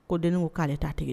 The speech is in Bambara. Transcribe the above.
Ko deniba ko k'ale taa tigi di